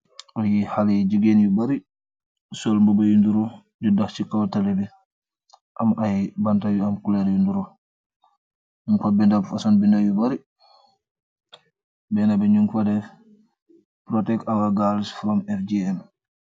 Aye halleh jigeen yu bari soll mbobu yu nyul, di dohh si kaw tali bi, am aye banta yu am color yu nyul nyug fa binda foson binda yu bari bena bi nyug fa def protect our girls from FGM.